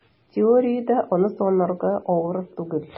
Теориядә аны санарга авыр түгел: